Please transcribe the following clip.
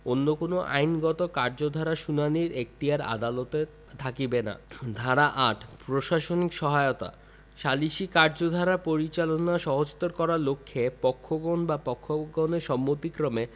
অন্য কোন আইনগত কার্যধারার শুনানীর এখতিয়ার আদালতের থাকিবে না ধারা ৮ প্রশাসনিক সহায়তাঃ সালিসী কার্যধারা পরিচালনা সহজতর করার লক্ষ্যে পক্ষগণ বা পক্ষগণের সম্মতিক্রমে